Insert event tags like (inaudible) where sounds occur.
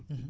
(hesitation) (hesitation)